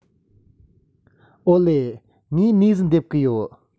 ཨོ ལེ ངས ནས ཟིག འདེབས གི ཡོད